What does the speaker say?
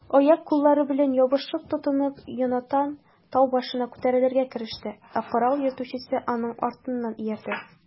Аяк-куллары белән ябышып-тотынып, Йонатан тау башына күтәрелергә кереште, ә корал йөртүчесе аның артыннан иярде.